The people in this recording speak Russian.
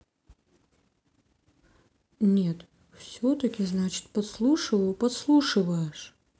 нет все таки значит подслушиваю подслушиваешь